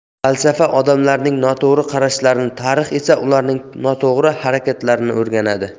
falsafa odamlarning noto'g'ri qarashlarini tarix esa ularning noto'g'ri harakatlarini o'rganadi